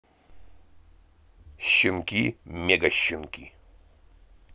щенки мега щенки